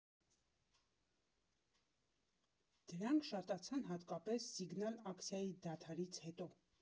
Դրանք շատացան հատկապես սիգնալ֊ակցիայի դադարից հետո։